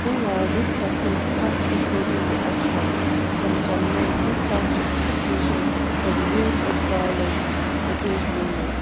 Meanwhile, this campaign sparked opposing reactions from some men who found justifications for the wave of violence against women.